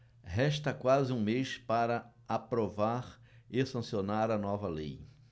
resta quase um mês para aprovar e sancionar a nova lei